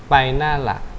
ไปหน้าหลัก